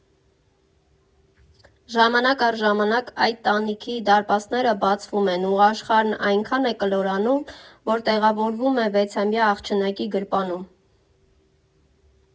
Ժամանակ առ ժամանակ այդ տանիքի դարպասները բացվում են ու աշխարհն այնքան է կլորանում, որ տեղավորվում է վեցամյա աղջնակի գրպանում։